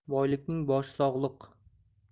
boylikning boshi sog'liq